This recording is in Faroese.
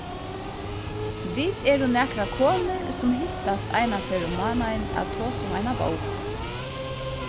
vit eru nakrar konur sum hittast eina ferð um mánaðin at tosa um eina bók